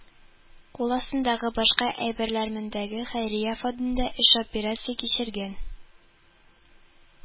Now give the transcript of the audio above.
Кул астындагы башка әйберләрмендәге хәйрия фондында эшоперация кичергән